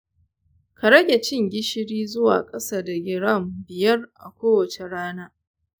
ka rage cin gishiri zuwa ƙasa da giram biyar a kowace rana.